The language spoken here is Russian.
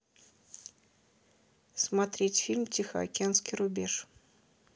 смотреть фильм тихоокеанский рубеж